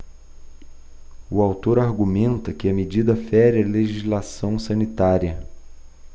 o autor argumenta que a medida fere a legislação sanitária